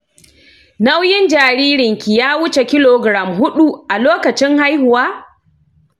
nauyin jaririnki ya wuce kilogram huɗu a lokacin haihuwa?